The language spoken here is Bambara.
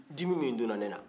dimi minnu donna ne na